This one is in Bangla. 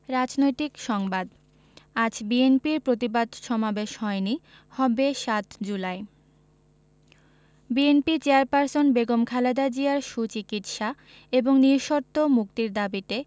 রাজনৈতিক সংবাদ আজ বিএনপির প্রতিবাদ সমাবেশ হয়নি হবে ৭ July BNP chairperson Begum Khaleda জিয়ার সুচিকিৎসা এবং নিঃশর্ত মুক্তির দাবিতে